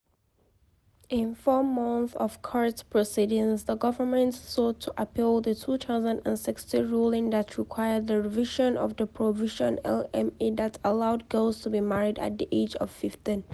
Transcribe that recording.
In four months of court proceedings, the government sought to appeal the 2016 ruling that required the revision of the provisions LMA that allowed girls to be married at the age of 15.